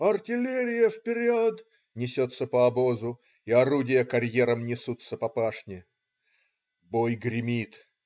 "Артиллерия вперед!" - несется по обозу, и орудия карьером несутся по пашне. Бой гремит.